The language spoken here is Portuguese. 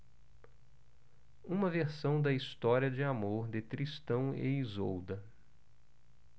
uma versão da história de amor de tristão e isolda